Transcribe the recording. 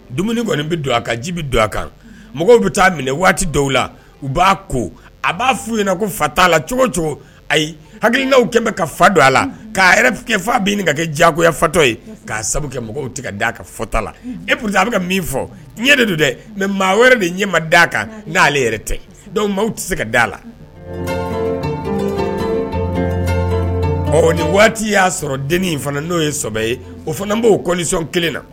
Dumuni kɔni bɛ don a kan jibi don a kan mɔgɔw bɛ taa a minɛ waati dɔw la u b'a ko a b' f u ɲɛna ko fa t'a la cogo cogo ayi hakili n'aw kɛlen fa don a la k' fa bɛ ka kɛ jagoya fatɔ ye'a kɛ mɔgɔw tɛ kaa fata la e p a bɛ ka min fɔ de don dɛ mɛ maa wɛrɛ de ɲɛma d da a kan n'ale yɛrɛ tɛ mɔgɔ tɛ se ka d da a la ɔ nin waati y'a sɔrɔ dennin in fana n'o ye ye o fana b'osɔn kelen na